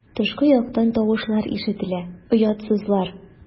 Тышкы яктан тавышлар ишетелә: "Оятсызлар!"